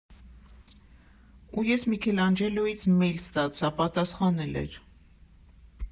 Ու ես Միքելանջելոյից մեյլ ստացա՝ պատասխանել էր։